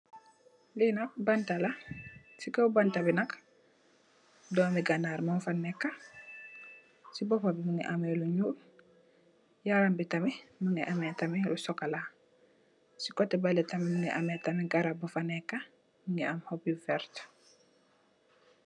Li nak banta la, ci kaw banta bi nak doomi ganaar monfa nekka. Ci boppa bi mungi ameh lu ñuul, yaram bi tamit mungi ameh tamit lu sokola. Ci kotè balè tamit mungi ameh tamit garab bu fa nekka mungi am hoop yu vert.